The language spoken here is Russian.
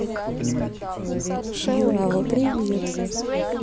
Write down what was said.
шалава привет